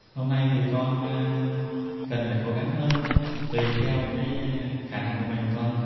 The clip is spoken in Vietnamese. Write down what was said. hôm nay thì con a cần phải cố gắng hơn tùy theo cái khả năng của mình con